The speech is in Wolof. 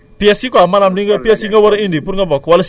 siège su agence assurance bi